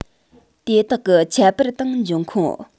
དེ དག གི ཁྱད པར དང འབྱུང ཁུངས